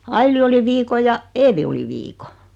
Aili oli viikon ja Eevi oli viikon